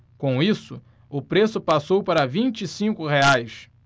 com isso o preço passou para vinte e cinco reais